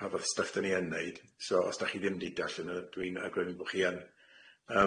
pa fath stuff dyn ni yn neud so os dach chi ddim di dallen yn yy dwi'n yy awgrymu bo' chi yn.